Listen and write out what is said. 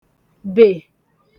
bè